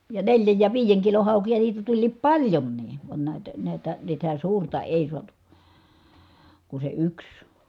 ja neljän ja viiden kilon haukia niitä tuli paljonkin vaan näitä näitä sitä suurta ei saatu kuin se yksi